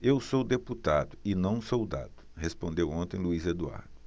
eu sou deputado e não soldado respondeu ontem luís eduardo